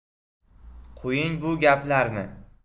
qo'ying bu gaplarni